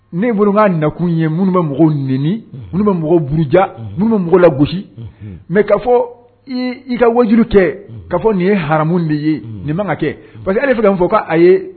Ne bolo ŋa nakun ye minnu ma mɔgɔw nɛni, unhun, minnu ma mɔgɔw buruja; unhn, minnu ma mɔgɔ la gosi, unhun, mais ka fɔ i i ka wajilu kɛ, unhun ka fɔ nin ye aramun de ye, unhun, nin ma ka kɛ unhun parce que ale filɛ ka mun fɔ k' a ye